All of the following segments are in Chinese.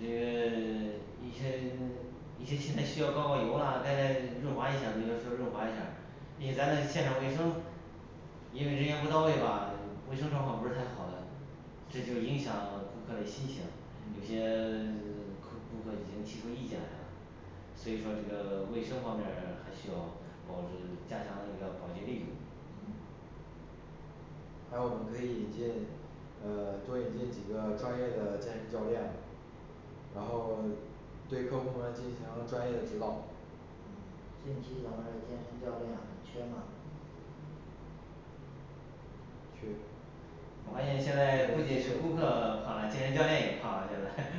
这个 一些 一些器材需要搞搞油啊该 润滑一下儿就就润滑一下儿你看咱的现场卫生因人员不到位吧卫生状况不是太好的这就影响顾客嘞心情,有些 客顾客已经提出意见来了所以说这个卫生方面儿还需要保这个加强那个保洁力度还有我们可以引进呃多引进几个专业的健身教练然后对客户儿们进行专业的指导嗯近期咱们健身教练还缺吗缺我发现现在不仅是顾客胖了健身教练也胖了现在嗯嗯对健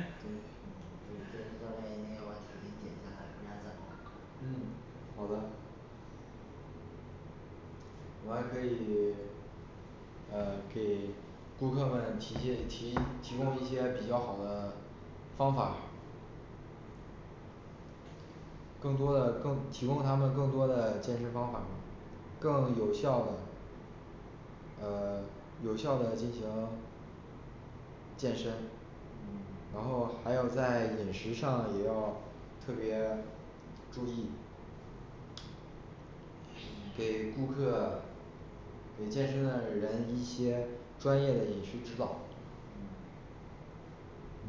身教练一定要把体重减下来不然怎么嗯好的主要是可以 呃给顾客们提些提提供一些比较好的方法儿更多的更提供他们更多的健身方法更有效的呃 有效的进行健身嗯然后还要在饮食上也要特别注意嗯给顾客给健身的人一些专业的饮食指导嗯嗯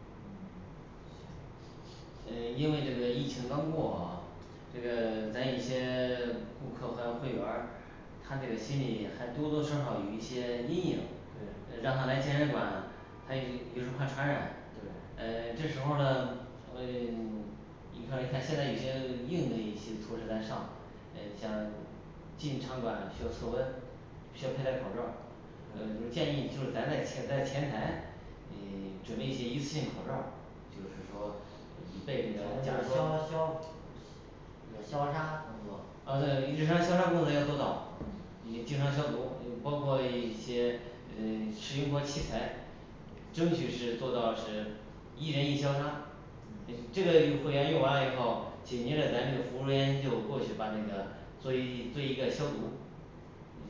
嗯呃因为这个疫情刚过啊，这个咱一些 顾客还有会员儿，呃他那个心里还多多少少有一些阴影对让他来健身馆他也也是怕传染对呃这时候儿呢会 你看你看现在已经硬的一些措施来上呃像进场馆需要测温需要佩戴口罩儿，呃就对建议就是咱在在前台嗯 准备一些一次性口罩儿就是说咱们这个消消这个消杀工作哦对一直杀消杀工作要做到嗯你经常消毒包括一些呃使用过器材争取是做到是一人一消杀，这这个会员用完了以后紧接着咱这个服务人员就过去把那个做一做一个消毒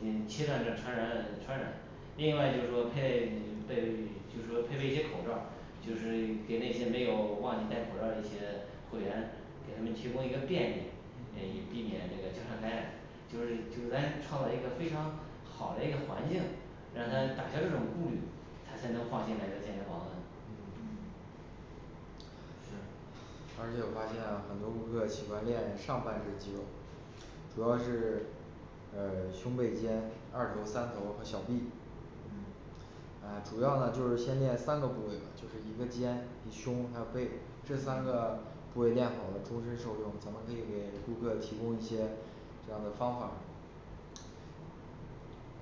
嗯切断这传染传染，另外就是说配备就是说配备一些口罩儿就是给那些没有忘记戴口罩儿一些会员给他们提供一个便利，呃避免这个交叉感染就是就是咱创造一个非常好嘞一个环境，让他打消这种顾虑，他才能放心来这健身房吧嗯嗯是而且我发现很多顾客喜欢练上半儿身儿肌肉，主要是呃胸背肩二头三头和小臂嗯呃主要呢就是先练三个部位嘛，就是一个肩一胸还有背，这三个部位练好了终身受用，咱们可以给顾客提供一些这样的方法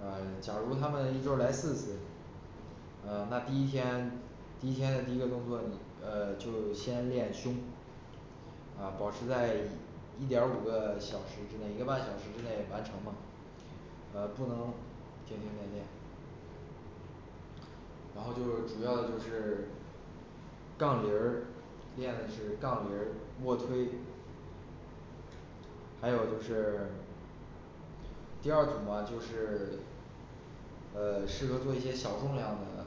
呃假如他们一周来四次，呃那第一天第一天的第一个动作呃就是先练胸呃保持在一点儿五个小时之内一个半小时之内完成吧呃不能歇歇练练然后就是主要就是杠铃儿练的是杠铃儿卧推还有就是第二组嘛就是呃适合做一些小重量的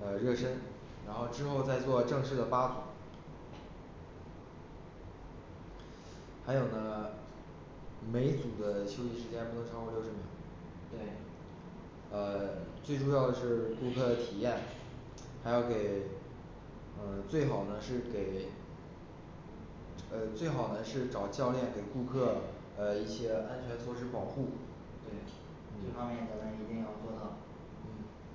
呃热身，然后之后再做正式的八组还有呢每组的休息时间不能超过六十秒对呃最重要是顾客的体验还要给呃最好呢是给呃最好呢是找教练给顾客呃一些安全措施保护对这嗯方面咱们一定要做到&嗯&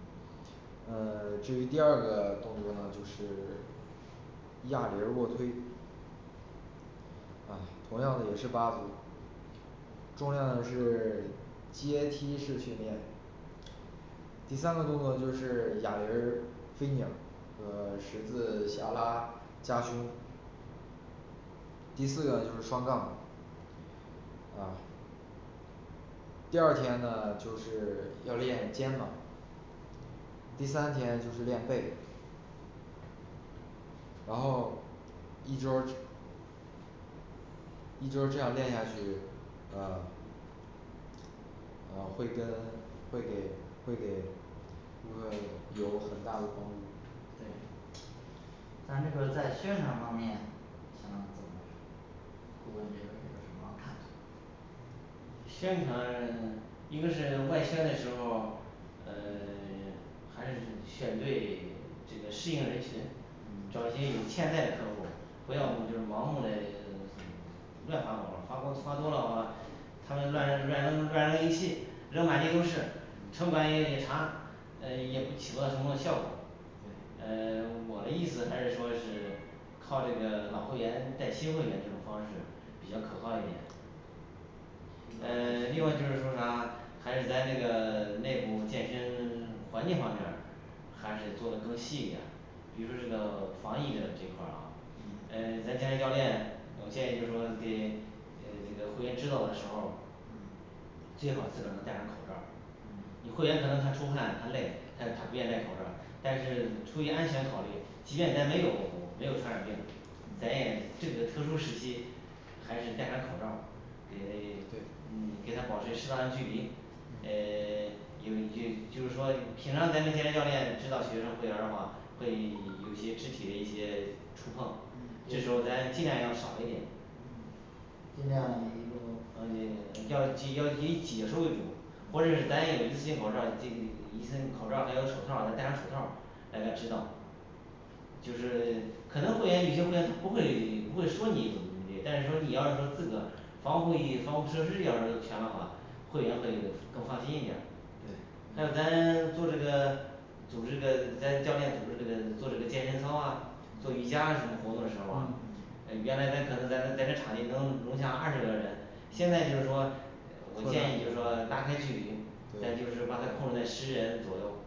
呃至于第二个动作呢就是 哑铃儿卧推啊同样的也是八组，重要的是阶梯式训练，第三个动作就是哑铃儿、飞鸟儿和十字下拉夹胸第四个就是双杠嗯，第二天呢就是要练肩膀，第三天就是练背然后一周儿一周儿这样练下去呃呃会跟会给会给顾客有很大的帮助对咱这个在宣传方面想的怎么是顾问这个有个什么看法宣传一个是外宣的时候儿呃 还是选对这个适应人群，嗯找些有潜在客户不要就是盲目嘞 乱发广告儿发光 发多了话他们乱扔乱扔乱扔一气，扔满地都是城管嗯也得查，呃也不起到什么效果呃我的意思还是说是靠这个老会员带新会员这种方式比较可靠一点呃 另外就是说啥，还是咱这个 内部健身 环境方面儿还得做的更细一点儿比如说这个防疫的这块儿啊嗯嗯咱健身教练我建议就是说给诶这个会员指导的时候儿最好自个儿能带上口罩儿，你嗯会员可能他出汗，他累但是他不愿意戴口罩儿，但是出于安全考虑，即便咱没有没有传染病，咱嗯也这个特殊时期还是戴上口罩儿给他对给他保持适当的距离呃有就就是说平常咱这边教练指导学生会员嘛，会有些肢体的一些触碰，&对&这时候大家尽量要少一点或者是咱有一次性口罩儿，这个一次性口罩儿还有手套儿再戴上手套儿，大家知道就是 可能会员也就会员不会不会说你怎么怎么的但是说你要是说你自个防护意防控措施要是全的话会员会更放心一点儿对还有咱做这个组织这个咱教练组织这个做这个健身操啊做瑜伽什么的活动时候啊，嗯原来咱可能咱咱这场地能容下二十个人现在就是说果我建议就是断说拉开距离，再对就是把它控制在十人左右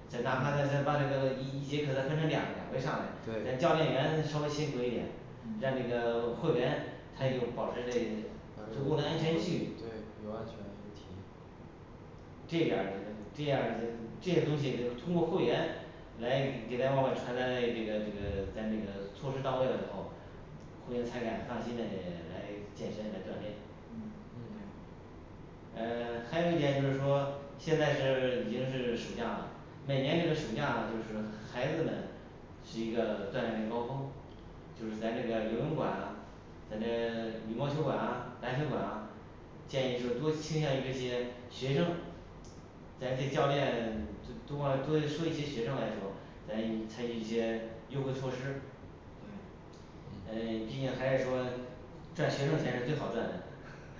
好这哪怕咱把这个一一节课得分成两回上，咱对教练员稍微辛苦一点，让这嗯个会员他有保持这个足够嗯的安全距对离有安全这一点儿这样儿这这些东西就通过会员来给给咱往外传咱嘞这个这个咱这个措施到位了以后，会员才敢放心的来健身来锻炼嗯对嗯嗯还有一点就是说现在是已经是暑假了，每年这个暑假就是孩子们是一个锻炼的高峰就是咱这个游泳馆啦，咱这个 羽毛球馆啊，篮球馆啊，建议就是多倾向于这些学生，咱这教练多 多往多收一些学生来说咱已 采取一些优惠措施对呃毕竟还是说赚学生钱是最好赚的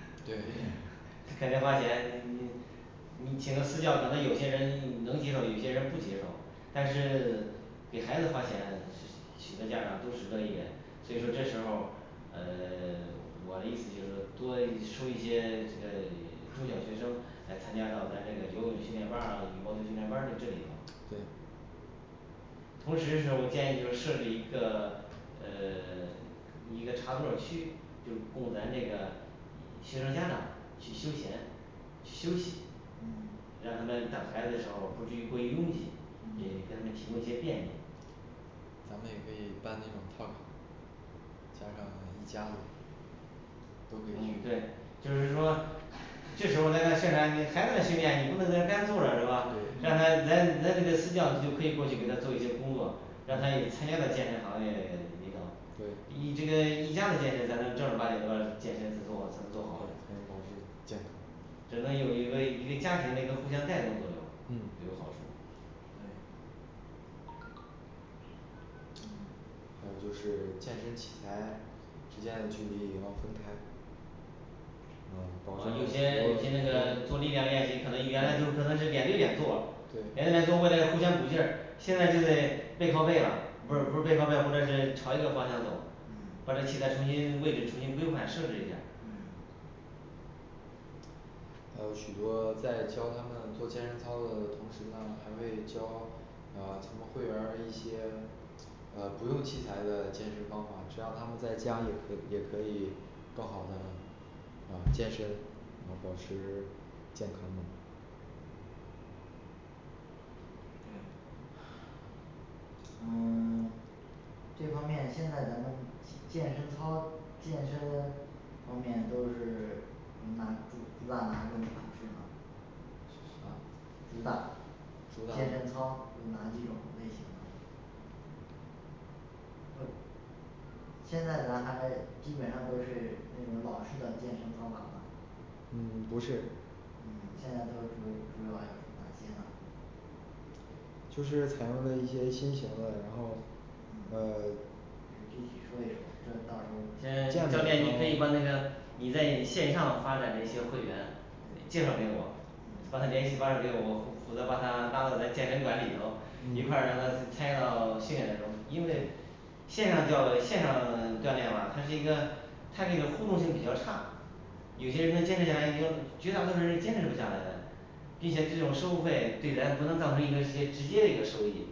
对对他开销花钱你你请个私教可能有些人能接受有些人不接受但是给孩子花钱是 许多家长都是乐意的所以说这时候呃 我的意思就是说多收一些这个中小学生来参加到咱这个游泳训练班儿啊或羽毛球训练班儿的这里头对同时时候我建议就设置一个呃 一个插座儿区，就供咱这个学生家长去休闲，去休息嗯让他们等孩子的时候不至于会拥挤也跟嗯他们提供一些便利咱们也可以办那种套卡加上一家子都可嗯以对去就是说这时候咱再宣传孩子的训练你不可能干坐着是吧再对来来来几个私教就可以过去给他做一些工作让他也参加到健身行业里头对，以这个一家子健身才正儿八经的健身做做好了才能保持健康只能有一位一个家庭的一个互相带动作用嗯有好处嗯嗯还有就是健身器材之间的距离也要分开嗯保呃证不有些会有些那个不做会力量练习，原来就可能是脸对脸做了，对原来做未来互相鼓劲儿，现在就在背靠背了不是嗯不是背靠背了或者是朝一个方向做嗯把这器材重新位置重新规划设置一下儿。嗯还有许多在教他们做健身操的同时呢，还会教啊咱们会员儿一些呃不用器材的健身方法，只要他们在家也可以 也可以更好的啊健身，然后保持健康吧对嗯 这方面现在咱们健身操健身方面都是主哪主打哪种展示呢啊主主打的打健身的操有哪几种类型呢会 现在咱还基本上都是那种老式的健身方法吗，嗯 不是嗯现在都是主主要嘞哪些呢就是采用了一些新型的，然后啊 也是具体说一说，这到时候先教练你可以把那个你在线上发展的一些会员介绍给我，把他联系方式给我们，负责把他拉到咱健身馆里头，一块儿嗯让他参加到训练当中因为线上教育线上锻炼吧，它是一个它这个互动性比较差，有些人能坚持下来，一个绝大多数人坚持不下来嘞并且这种收费对咱不能造成一个直接直接一个收益。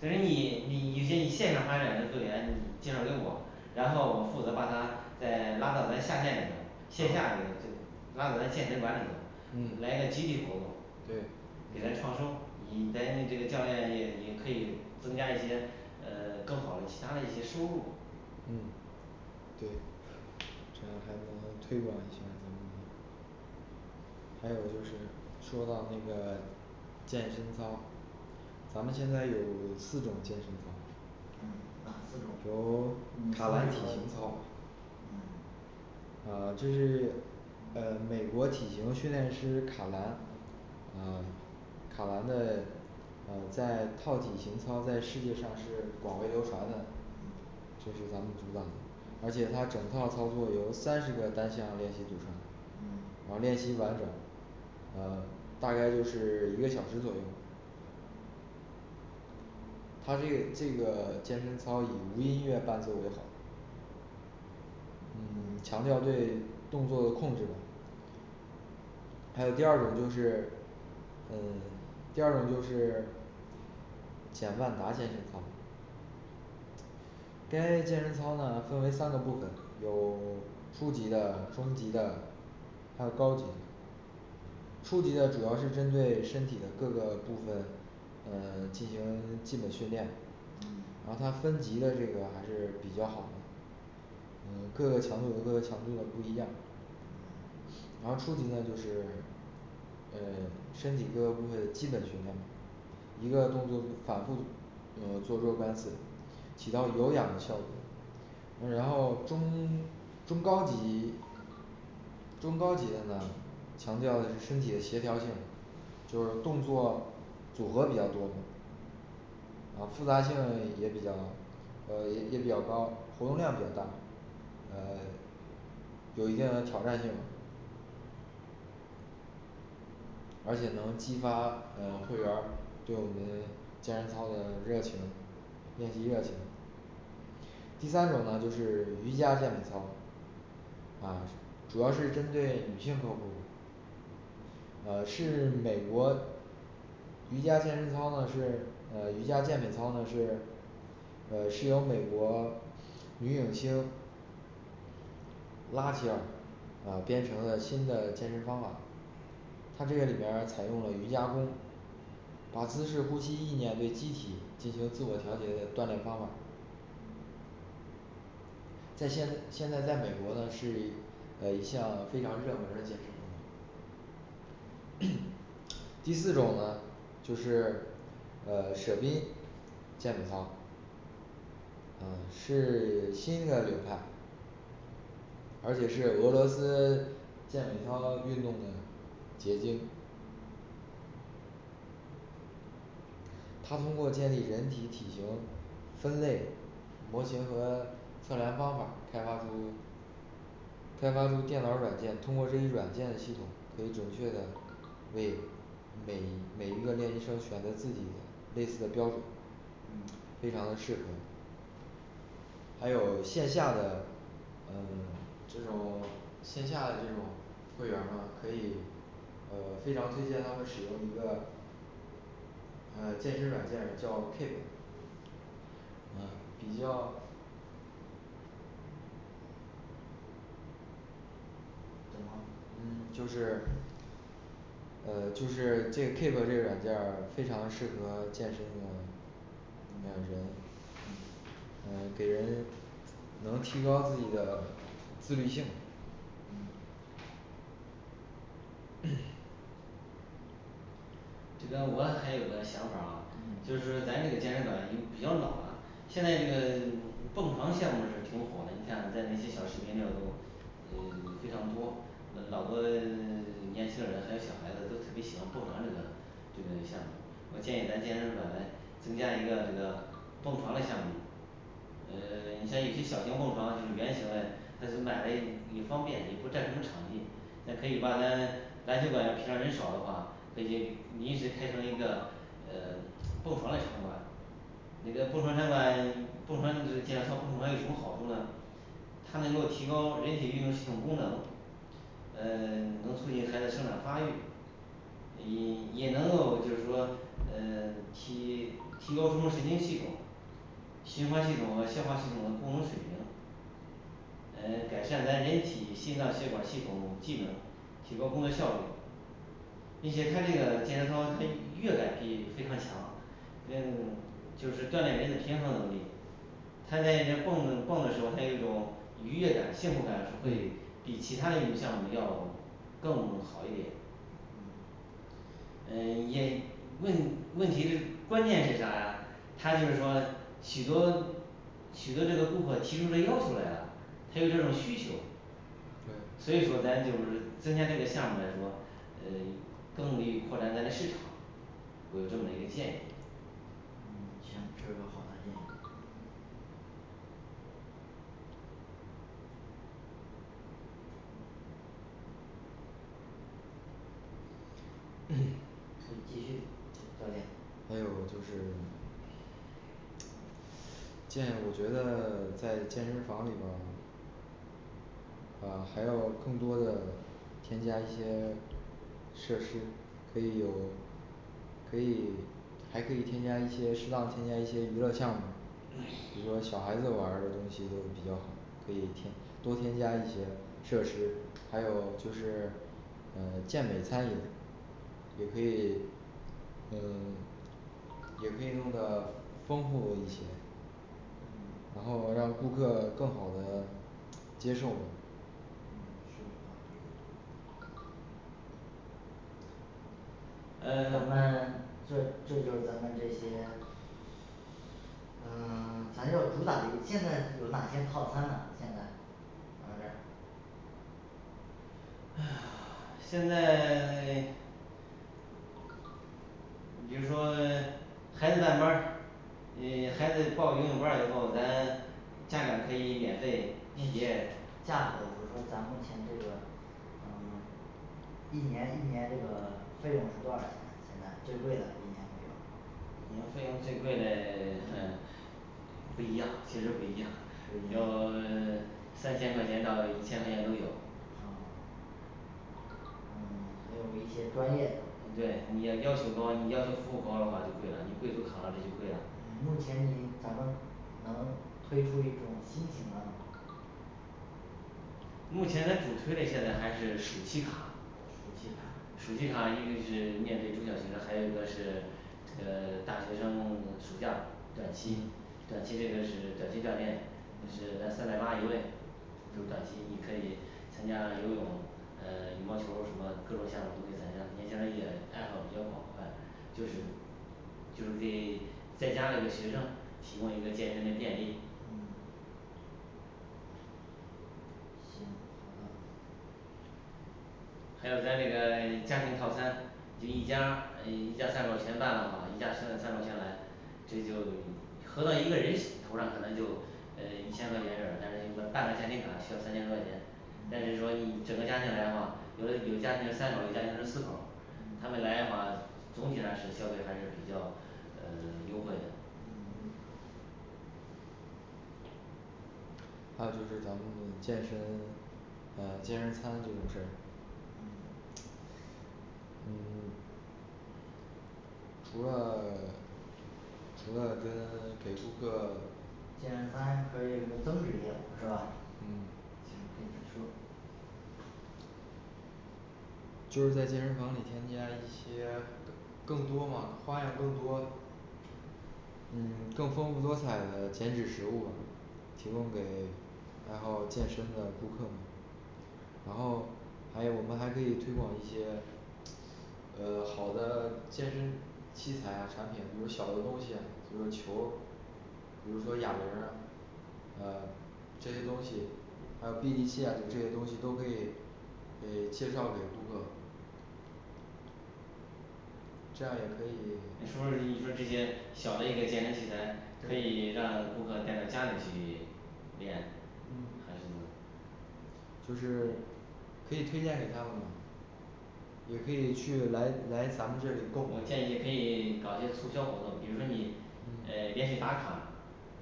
所以你你你 你这线上发展的会员你介绍给我，然后我负责把他再拉到咱下线里头线下的就拉我在健身馆里头&嗯&来个集体活动对给咱创收，你咱那个这个教练也也可以增加一些嗯更好的其他的一些收入&嗯&对这样儿还能能推广一下儿咱们的还有就是说到那个健身操，咱们现在有四种健身房，嗯哪四有种你说卡兰体型一说操嗯啊就是呃美国体型训练师卡兰呃卡兰的呃在套体型操在世界上是广为流传的就是咱们组长，而且他整套操作由三十个单项练习组成嗯然后练习完整呃大概就是一个小时左右他这这个健身操以无音乐伴奏为好嗯强调对动作的控制吧。 还有第二种就是，呃 第二种就是简曼达健身操该健身操呢分为三个部分，有初级的、中级的，还有高级初级的主要是针对身体的各个部分呃进行基本训练，嗯然后它分级的这个还是比较好的呃各个强度和各个强度的不一样然后初级呢就是呃身体各个部位的基本训练，一个动作反复呃做若干次，起到有氧的效果那然后中中高级中高级的呢强调身体的协调性，就是动作组合比较多啊复杂性也比较呃也也比较高，活动量比较大。呃有一定的挑战性而且能激发呃会员儿对我们健身操的热情，练习热情。第三种呢就是瑜伽健美操啊主要是针对女性客户儿呃是美国瑜伽健身操呢是呃瑜伽健美操呢是呃是由美国女影星拉吉尔啊编成了新的健身方法，它这个里边儿采用了瑜伽功把姿势呼吸意念对机体进行自我调节的锻炼方法在现现在在美国呢是一呃一项非常热门儿的健身 第四种呢就是呃舍宾健美操呃是 新的流派，而且是俄罗斯健美操运动的结晶他通过建立人体体型分类模型和测量方法儿，开发出开发出电脑儿软件，通过这一软件系统可以准确的为每每一个练习生选择自己类似的标准，嗯非常的适合。还有线下的呃这种线下的这种会员儿呢可以呃非常推荐他们使用一个呃健身软件叫Keep 啊比较&怎么&嗯就是呃就是这keep这个软件儿非常适合健身的呃嗯人嗯呃给人能提高自己的自律性嗯 觉得我还有个想法儿啊就是咱们这个健身馆已经比较老了，现在这个蹦床项目是挺火的，你看你在那些小视频里都嗯非常多好多 年轻人还有小孩子都特别喜欢蹦床这个这个项目我建议咱健身馆呢增加一个这蹦床嘞项目嗯你像一些小型蹦床就是圆形嘞它买了也方便也不占什么场地，咱可以把咱篮球馆平常人少的话可以进你可以开成一个呃蹦床嘞场馆你的蹦床项目，蹦床呃建床蹦床有什么好处呢？它能够提高人体运动系统功能，嗯能促进孩子生长发育嗯也能够就是说呃提提高中枢神经系统循环系统和消化系统的功能水平，呃改善咱人体心脏血管系统技能提高工作效率，并且它这个健身操它乐感比非常强，嗯就是锻炼人的平衡能力他在你那儿蹦的蹦的时候，他有一种愉悦感，幸福感是会比其他运动项目要更好一点。嗯也问问题是，关键是啥啊？他就是说许多许多这个顾客提出这个要求来了，他有这种需求对所以说咱就是增加这个项目儿来说，嗯更容易扩展咱这市场我有这么一个建议嗯行，这是个好的建议 可以继续教练还有就是建议我觉得 在健身房里边儿啊还要更多的添加一些设施可以有可以还可以添加一些适当添加一些娱乐项目，就是说小孩子玩儿的东西都比较可以添多添加一些设施，还有就是呃健美餐饮，也可以。呃也可以弄得丰富一些然嗯后让顾客更好的接受嗯是的咱呃们这这就是咱们这些嗯 咱要主打嘞现在有哪些套餐呢现在咱们这儿 现在嗯 你比如说 孩子在班儿诶孩子报游泳班儿以后，咱家长可以免费体验价格我说咱目前这个呃一年一年这个费用是多少钱，现在最贵的一年左右我们费用最贵嘞 嗯不一样其实不一样嗯有 三千块钱到一千块钱都有好嗯还有一些专业的对你要求高，你要求服务高的话就贵了，你贵就卡了，这就贵了嗯目前你能能推出一种新型的吗目前咱主推嘞现在还是暑期卡，暑期卡暑期卡，一个是面对中小学生，还有一个是这个大学生，暑假短期短期这个是短期锻炼这是咱三百八一位就是短期你可以参加游泳呃羽毛球儿什么各种项目都可以参加，年轻人也爱好比较广泛就是就是给在家里的学生提供一个健身的便利嗯行好的还有咱这个家庭套餐，就一家儿一家儿三口儿全办的话一家儿三口全来这就合到一个人头上可能就呃一千块钱，但是办个家庭卡需要三千多块钱但是说你整个家庭来的话，有的有的家庭三口儿有的家庭是四口儿他嗯们来的话总体上是消费还是比较呃优惠的嗯还有就是咱们健身呃健身餐这种事儿嗯嗯除了除了跟给顾客健身餐可以入增值业务是吧？嗯行可以说就是在健身房里添加一些更多嘛花样更多嗯更丰富多彩的减脂食物吧提供给然后健身的顾客，然后还有我们还可以推广一些呃好的健身器材啊产品，比如小的东西比如球儿比如说哑铃儿啊，呃这些东西，还有臂力器呀这些东西都可以呃介绍给顾客这样也可你以是不是你说这些小的一些健身器材可以让顾客带到家里去练，还嗯是就是可以推荐给他们也可以去来来咱们这里购买我建议，可以搞一些促销活动，比如说你嗯呃连续打卡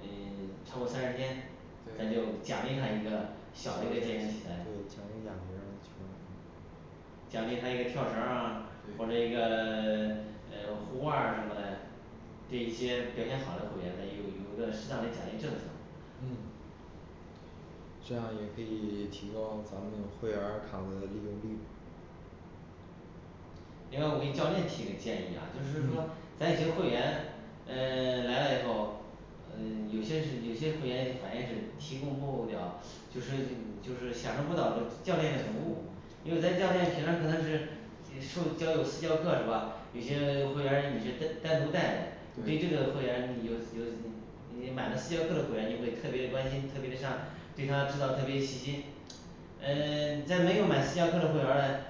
嗯超过三十天咱就对奖励他一个小的这个健身器材小的奖个球儿奖励他一个跳绳儿啊或者对一个 呃护腕儿什么的对一些表现好的会员它有一个适当的奖励政策嗯这样也可以提高咱们那个会员儿卡的利用率另外我给教练提个建议啊，就是说嗯咱一些会员嗯 来了以后嗯有些是有些会员咱也是提供不了就是就是享受不到这教练的服务，因为在教练学生可能是受教有私教课是吧？有些会员儿你是单 单独带的，对这个会员儿你有有你买了私教课的会员你会特别的关心，特别的像，对他指导特别细心嗯在没有买私教课的会员儿嘞，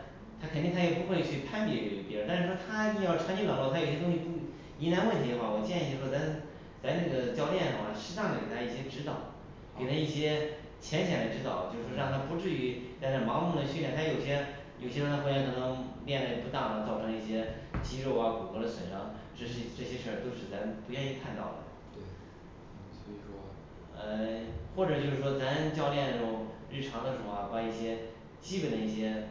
他肯定他也不会去攀比别人，但是说他要长期冷落他有些东西不 疑难问题的话，我建议就是说咱咱这个教练的话适当的给他一些指导，给他一些浅浅的指导，就是让他不至于在这盲目的训练他，有些有些会员可能练嘞不当，造成一些肌肉啊骨骼的损伤，这些这些事儿都是咱不愿意看到的对所以说呃或者就是说咱教练这种日常的时候，把一些基本的一些